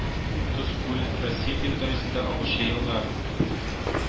Тускүл Русия территориясеннән агучы елга